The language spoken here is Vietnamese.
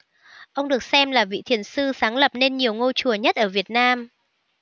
ông được xem là vị thiền sư sáng lập nên nhiều ngôi chùa nhất ở việt nam